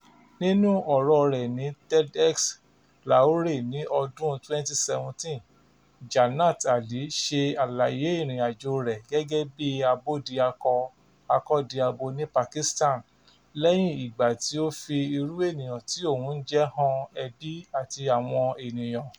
Nínú ọ̀rọ̀ọ rẹ̀ ní TEDxLahore ní ọdún 2017, Jannat Ali ṣe àlàyé ìrìnàjòo rẹ̀ gẹ́gẹ́ bí abódiakọ-akọ́diabo ní Pakistan lẹ́yìn ìgbà tí ó fi irú ènìyàn tí òun ń jẹ́ han ẹbí àti àwọn ènìyàn.